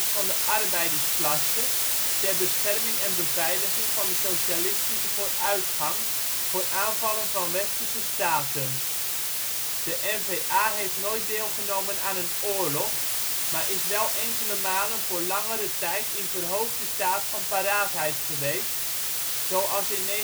van de arbeidersklasse ter bescherming en beveiliging van de socialistische vooruitgang voor aanvallen van Westerse staten. De NVA heeft nooit deelgenomen aan een oorlog, maar is wel enkele malen voor langere tijd in verhoogde staat van paraatheid geweest, zoals in 1961